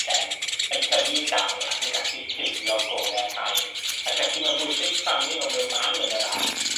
sied, yn tyfu'n dal ac yn gallu cuddio gole'r haul. Ac felly mae'n bwysig plannu nw mewn man yn yr ardd